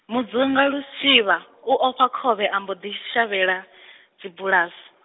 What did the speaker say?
Mudzunga Lishivha u ofha khovhe a mbo ḓi shavhela, dzibulasi.